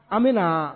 An bɛna